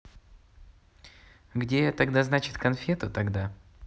где тогда значит конфету тогда